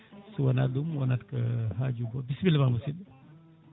sowona ɗum wonata ko haaju goɗɗo bisimilla ma musidɗo